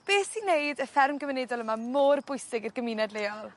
...beth sydd neud y fferm gymunedol yma mor bwysig i'r gymuned leol?